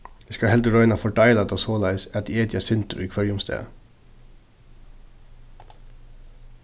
eg skal heldur royna at fordeila tað soleiðis at eg eti eitt sindur í hvørjum stað